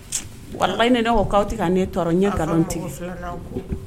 Walayi ni ne ko ka ti ka ne tɔɔrɔ n ye nkalon tigɛ.